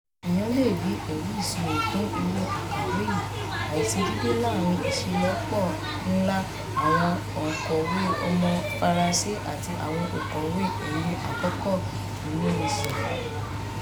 Èèyàn lè rí ẹ̀rí ìṣirò fún irú àkàwé yìí: àìṣedéédé láàárín ìṣelọ́pọ̀ ńlá àwọn òǹkọ̀wé ọmọ Faransé àti àwọn òǹkọ̀wé ẹ̀yìn-àkókò-ìmúnisìn.